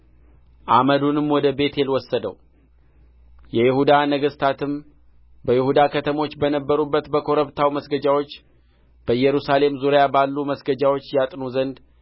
አመዱንም ወደ ቤቴል ወሰደው የይሁዳ ነገሥታትም በይሁዳ ከተሞች በነበሩት በኮረብታው መገጃዎች በኢየሩሳሌምም ዙሪያ ባሉ መስገጃዎች ያጥኑ ዘንድ